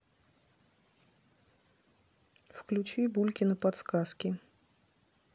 включи булькины подсказки